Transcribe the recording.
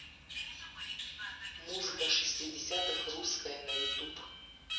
музыка шестидесятых русская на ютуб